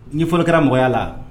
N fɔra kɛra nɔgɔya la